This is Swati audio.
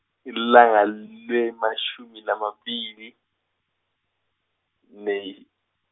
lilanga lemashumi lamabili, May.